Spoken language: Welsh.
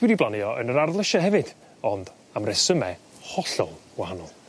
Dwi 'di blannu o yn yr ardd lysie hefyd ond am resyme hollol wahanol.